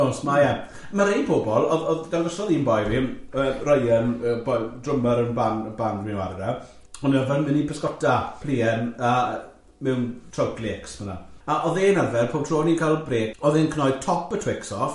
Os, mae e. Ma' rei pobl, oedd oedd dangosodd un boi fi, yy Ryan, yy boi- drymer yn y ban- y band fi'n wara oedd yn mynd i bysgota plien a mewn tryc lecs fanna, a oedd e'n arfer, pob tro o'n i'n cael brêc, oedd e'n cnoi top y Twix off,